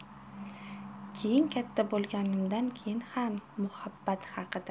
keyin katta bo'lganimdan keyin ham muhabbat haqida